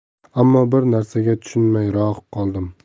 ammo bir narsaga tushunmayroq qoldim